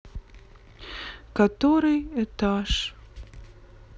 который этаж